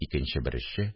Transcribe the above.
Икенче бер эшче